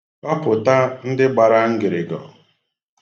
Họpụta ndị gbara ngịrịgọ.